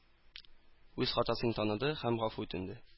Үз хатасын таныды һәм гафу үтенде.